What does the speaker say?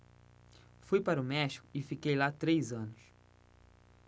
fui para o méxico e fiquei lá três anos